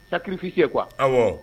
Sakifisise k' an ma